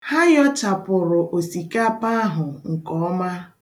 Ha yọchapụrụ osikapa ahụ nkeọma.